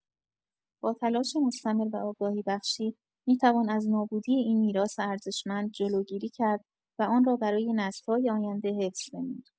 با تلاش مستمر و آگاهی‌بخشی، می‌توان از نابودی این میراث ارزشمند جلوگیری کرد و آن را برای نسل‌های آینده حفظ نمود.